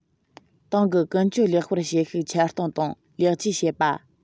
ཏང གི ཀུན སྤྱོད ལེགས སྤེལ བྱེད ཤུགས ཆེར གཏོང དང ལེགས བཅོས བྱེད པ